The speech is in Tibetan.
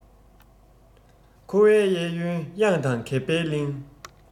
འཁོར བའི གཡས གཡོན གཡང དང གད པའི གླིང